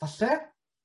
Falle.